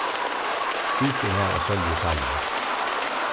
situr har á sóljuteigi